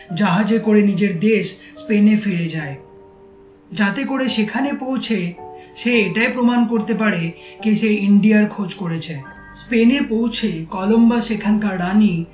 জাহাজে করে নিজের দেশ স্পেনে ফিরে যায় যাতে করে সেখানে পৌঁছে সে এটাই প্রমাণ করতে পারে যে সে ইন্ডিয়ার খোঁজ করেছে স্পেনে পৌঁছে কলম্বাস সেখানকার রানী